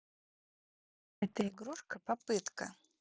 это игрушка попытка